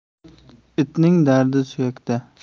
itning dardi suyakda